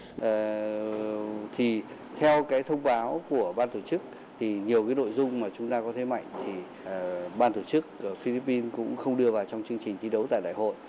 ờ thì theo cái thông báo của ban tổ chức thì nhiều cái nội dung mà chúng ta có thế mạnh thì ban tổ chức phi líp pin cũng không đưa vào trong chương trình thi đấu tại đại hội